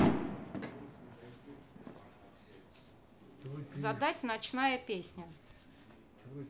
задать ночная песня